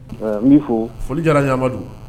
Min ko foli jara yama